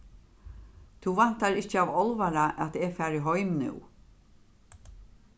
tú væntar ikki av álvara at eg fari heim nú